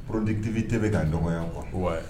Poroditebi tɛ bɛ ka dɔgɔ yan kuwa